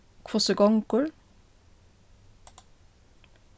hvussu gongur